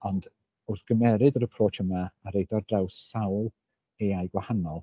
Ond wrth gymeryd yr approach yma a rhoid o ar draws sawl AI gwahanol.